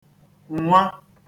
-nnwa